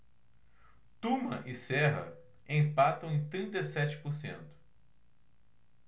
tuma e serra empatam em trinta e sete por cento